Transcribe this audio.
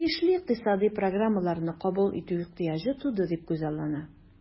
Тиешле икътисадый программаларны кабул итү ихтыяҗы туды дип күзаллана.